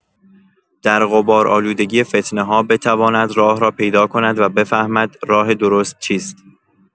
در غبارآلودگی فتنه‌ها بتواند راه را پیدا کند و بفهمد راه درست چیست؛